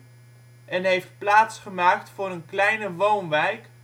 en heeft plaats gemaakt voor een kleine woonwijk